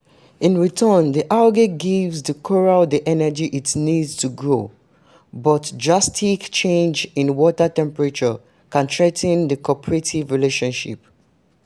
In return, the algae gives the coral the energy it needs to grow, but drastic changes in water temperature can threaten this cooperative relationship.